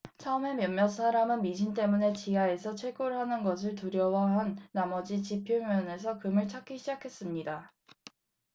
처음에 몇몇 사람은 미신 때문에 지하에서 채굴하는 것을 두려워한 나머지 지표면에서 금을 찾기 시작했습니다